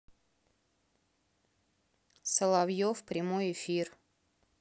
соловьев прямой эфир